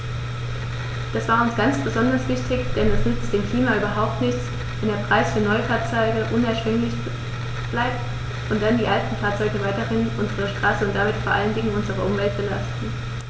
Das war uns ganz besonders wichtig, denn es nützt dem Klima überhaupt nichts, wenn der Preis für Neufahrzeuge unerschwinglich bleibt und dann die alten Fahrzeuge weiterhin unsere Straßen und damit vor allen Dingen unsere Umwelt belasten.